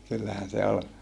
kyllähän se oli